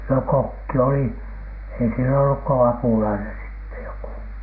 no kokki oli ei siellä ollut kuin apulainen sitten joku